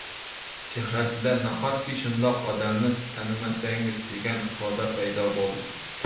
chehrasida nahotki shundoq odamni tanimasangiz degan ifoda paydo bo'ldi